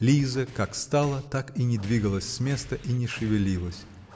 Лиза, как стала, так и не двигалась с места и не шевелилась